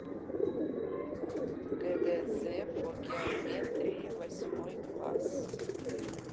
гдз по геометрии восьмой класс